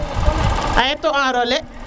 ayit o enronlé